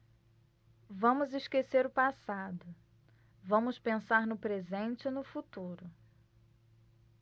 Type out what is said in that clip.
vamos esquecer o passado vamos pensar no presente e no futuro